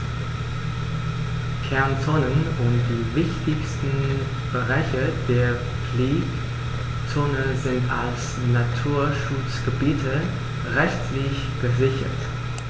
Kernzonen und die wichtigsten Bereiche der Pflegezone sind als Naturschutzgebiete rechtlich gesichert.